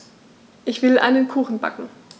Ich will einen Kuchen backen.